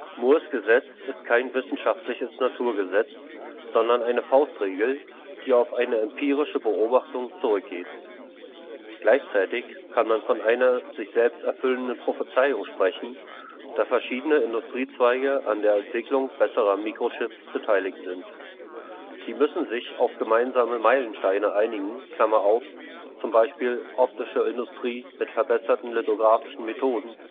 Moores Gesetz ist kein wissenschaftliches Naturgesetz, sondern eine Faustregel, die auf eine empirische Beobachtung zurückgeht. Gleichzeitig kann man von einer „ sich selbsterfüllenden Prophezeiung “sprechen, da verschiedenste Industriezweige an der Entwicklung besserer Mikrochips beteiligt sind. Sie müssen sich auf gemeinsame Meilensteine einigen (z. B. optische Industrie mit verbesserten lithographischen Methoden